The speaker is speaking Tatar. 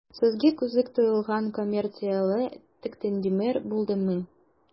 Сезгә кызык тоелган коммерцияле тәкъдимнәр булдымы?